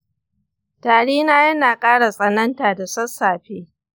tari na yana ƙara tsananta da sassafe.